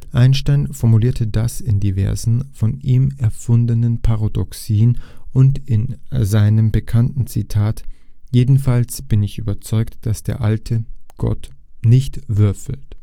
Einstein formulierte das in diversen von ihm erfundenen Paradoxien und in seinem bekannten Zitat „ Jedenfalls bin ich überzeugt, daß der Alte (Gott) nicht würfelt